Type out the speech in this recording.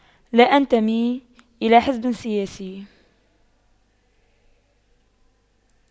لا أنتمي إلى حزب سياسي